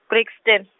Brixton.